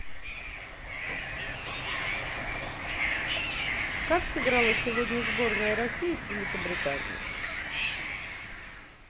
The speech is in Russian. как сыграла сегодня сборная россии с великобританией